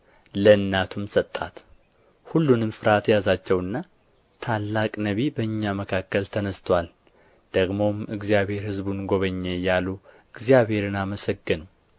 ለእናቱም ሰጣት ሁሉንም ፍርሃት ያዛቸውና ታላቅ ነቢይ በእኛ መካከል ተነሥቶአል ደግሞ እግዚአብሔር ሕዝቡን ጐበኘ እያሉ እግዚአብሔርን አመሰገኑ